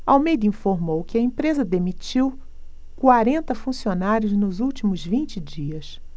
almeida informou que a empresa demitiu quarenta funcionários nos últimos vinte dias